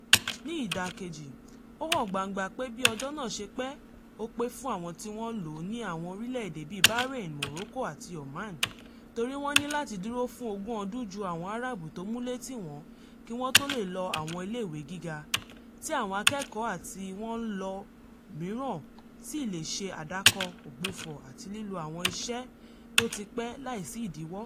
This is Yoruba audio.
Ní ìdàkejì, ó hàn gbangba pé bí ọjọ́ náà ṣe pẹ́ ò pé fún àwọn tí wọ́n ń lòó ní àwọn orílẹ̀ èdè bí Bahrain, Morroco àti Oman, torí wọ́n ní láti dúró fún ọdún 20 ju àwọn Arab tó múlé tì wọ́n kí wọ́n tó lè lọ àwon iléèwé gíga, tí àwọn akẹ́kọ̀ọ́ àti tí wọ́n ń lò ó miran sì lè ṣe àdàkọ̀, ògbùfọ̀, àti lílo àwọn iṣẹ́ tó ti pẹ́ láì sí ìdíwọ́.